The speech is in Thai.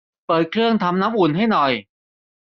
เปิดเครื่องทำน้ำอุ่นให้หน่อย